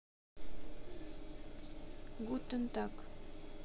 guten tag